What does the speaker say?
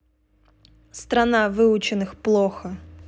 страна выученных плохо